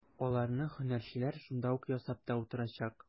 Аларны һөнәрчеләр шунда ук ясап та утырачак.